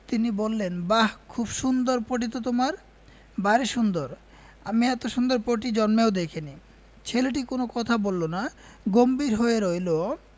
তিনি বললেন বাহ খুব সুন্দর পটি তো তোমার ভারী সুন্দর আমি এত সুন্দর পটি জন্মেও দেখিনি ছেলেটি কোন কথা বলল না গম্ভীর হয়ে রইল